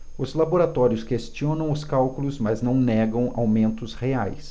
os laboratórios questionam os cálculos mas não negam aumentos reais